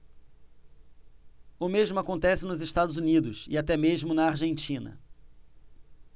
o mesmo acontece nos estados unidos e até mesmo na argentina